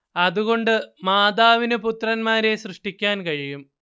അതുകൊണ്ട് മാതാവിന് പുത്രന്മാരെ സൃഷ്ടിക്കാൻ കഴിയും